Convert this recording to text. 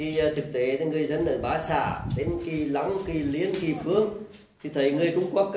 thì thực tế thì người dân ở ba xã kỳ long kỳ liên kỳ phương khi thấy người trung quốc